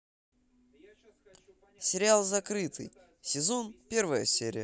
сериал закрытый сезон первая серия